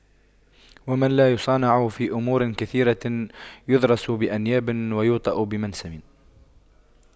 ومن لا يصانع في أمور كثيرة يضرس بأنياب ويوطأ بمنسم